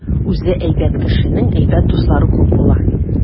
Үзе әйбәт кешенең әйбәт дуслары күп була.